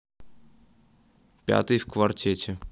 пятый в квартете